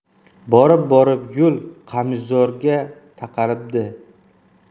borib borib yo'l qamishzorga taqalibdi